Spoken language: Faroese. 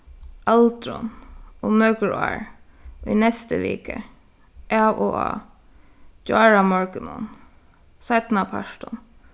aldrin um nøkur ár í næstu viku av og á gjáramorgunin seinnapartin